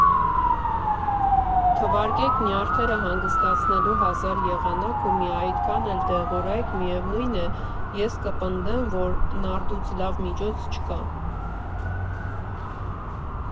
Թվարկե՛ք նյարդերը հանգստացնելու հազար եղանակ ու մի այդքան էլ դեղորայք, միևնույն է, ես կպնդեմ, որ նարդուց լավ միջոց չկա։